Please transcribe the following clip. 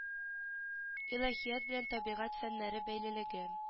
Илаһият белән табигать фәннәре бәйлелеге